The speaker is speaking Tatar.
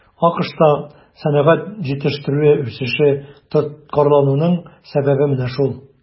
АКШта сәнәгать җитештерүе үсеше тоткарлануның сәбәбе менә шул.